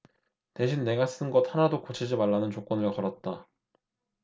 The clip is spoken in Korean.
대신 내가 쓴 것 하나도 고치지 말라는 조건을 걸었다